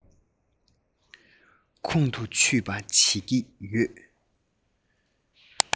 ཁོང དུ ཆུད པ བྱེད ཀྱི ཡོད